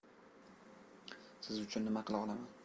siz uchun nima qila olaman